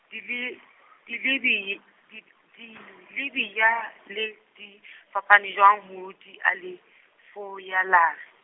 dile- , dilebi-, di di, dilebiyale le di, fapane jwang ho dialefiyolare.